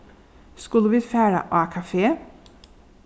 skulu vit fara á kafe